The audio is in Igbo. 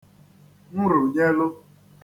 nrùnyelụ